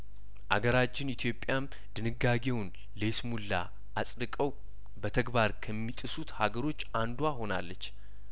አገራችን ኢትዮጵያም ድንጋጌውን ለይስሙላ አጽድቀው በተግባር ከሚጥሱት ሀገሮች አንዷ ሆናለች